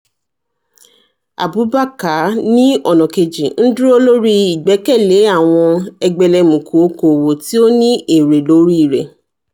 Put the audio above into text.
Abubakar, ní ọ̀nà kejì, ń dúró lórí "ìgbẹ́kẹ̀lé" àwọn "ẹgbẹlẹmùkù okòwò tí ó ní èrè lóríi rẹ̀ ".